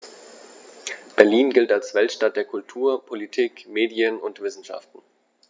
Berlin gilt als Weltstadt der Kultur, Politik, Medien und Wissenschaften.